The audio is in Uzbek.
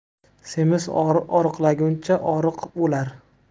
semiz oriqlaguncha oriq o'lar